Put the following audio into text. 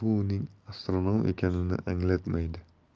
bu uning astronom ekanini anglatmaydi